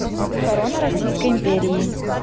корона российской империи